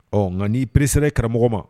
Ɔ nka n niieressɛ karamɔgɔ ma